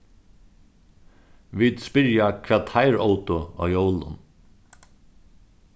vit spyrja hvat teir ótu á jólum